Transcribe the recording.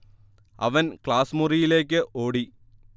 അവൻ ക്ലാസ് മുറിയിലേക്ക് ഓടി